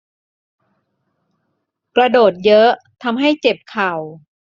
กระโดดเยอะทำให้เจ็บเข่า